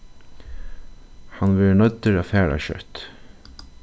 hann verður noyddur at fara skjótt